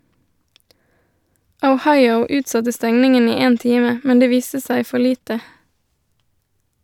Ohio utsatte stengningen i én time, men det viste seg for lite.